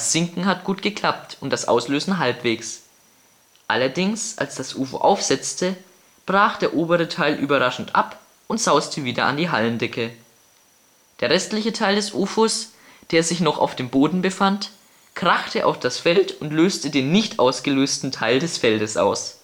sinken hat gut geklappt und das auslösen halbwegs. Allerdings als das Ufo aufsetzte brach der obere Teil überraschend ab und sauste wieder an die Hallendecke. Der restliche Teil des Ufos, der sich noch auf dem Boden befand, krachte auf das Feld und löste den nicht ausgelösten Teil des Feldes aus